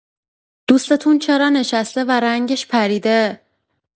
دوستتون چرا نشسته و رنگش پریده؟